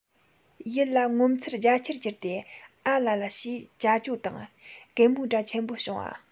ཡིད ལ ངོ མཚར རྒྱ ཆེར གྱུར ཏེ ཨ ལ ལ ཞེས ཅ ཅོ དང གད མོའི སྒྲ ཆེན པོ བྱུང བ